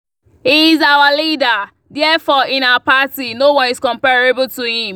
He is our leader, therefore in our party, no one is comparable to him.